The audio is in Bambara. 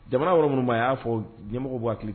Jamana yɔrɔ minnu ma a y'a fɔ diɲɛmɔgɔ bu a hakili